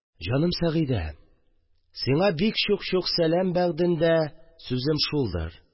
«җаным сәгыйдә, сиңа бик чук-чук сәлам бәгъдендә сүзем шулдыр...»